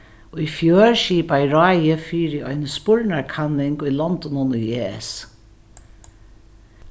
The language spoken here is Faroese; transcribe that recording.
í fjør skipaði ráðið fyri eini spurnakanning í londunum í es